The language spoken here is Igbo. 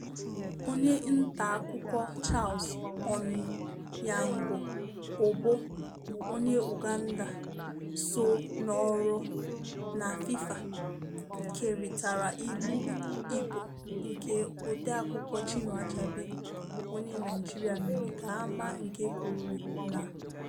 Onye nta akụkọ Charles Onyango-Obbo bụ onye Uganda, so nọrọ na FIFA, kerịtara ilu Igbo nke odeakwụkwọ Chinua Achebe bụ onye Naịjirịa mere ka a maa nke kwuru na: